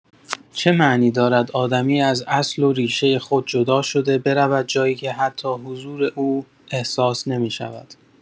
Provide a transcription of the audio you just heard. چه معنی دارد آدمی از اصل و ریشه خود جدا شده برود جایی که حتی حضور او احساس نمی‌شود.